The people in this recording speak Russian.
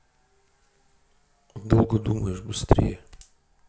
долго думаешь быстрее